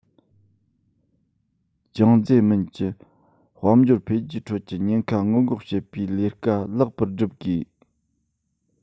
ཅང ཙེ རྨིན གྱི དཔལ འབྱོར འཕེལ རྒྱས ཁྲོད ཀྱི ཉེན ཁ སྔོན འགོག བྱེད པའི ལས ཀ ལེགས པར བསྒྲུབ དགོས